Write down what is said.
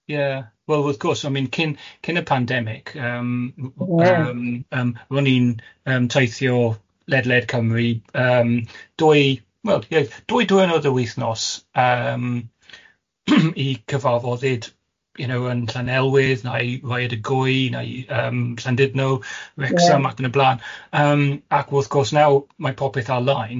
Ie, wel wrth gwrs o'n i'n cyn cyn y pandemic yym... O ia. ...w- w- yym yym ro'n i'n yym teithio ledled Cymru yym dwy wel ie dwy dwrnod y wythnos yym i cyfarfodyd you know yn Llanelwydd neu Rhaead y Gwy neu yym Llandudno... Ie. ...Wrecsam ac yn y blaen yym ac wrth gwrs nawr mae popeth ar-lain.